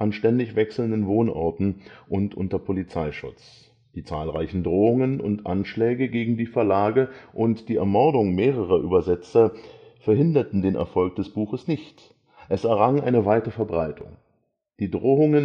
ständig wechselnden Wohnorten und unter Polizeischutz. Die zahlreichen Drohungen und Anschläge gegen die Verlage und die Ermordung mehrerer Übersetzer verhinderten den Erfolg des Buches nicht. Es errang eine weite Verbreitung. Die Drohungen